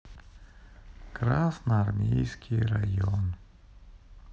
красноармейский район